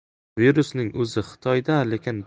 virusning o'zi xitoyda lekin